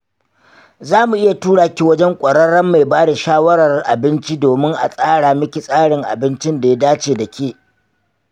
za mu iya tura ki wajen ƙwararren mai ba da shawarar abinci domin a tsara miki tsarin abinci da ya dace da ke.